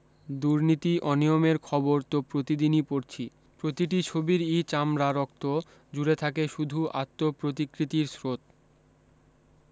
দুর্নীতি অনিয়মের খবর তো প্রতিদিন ই পড়ছি প্রতিটি ছবির ই চামড়া রক্ত জুড়ে শুধু থাকে আত্মপ্রতিকৃতির স্রোত